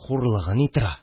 Хурлыгы ни тора